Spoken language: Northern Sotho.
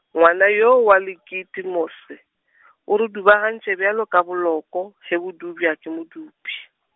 ngwana yoo wa Lekitimose, o re dubagantše bjalo ka boloko, ge bo dubja ke modubi.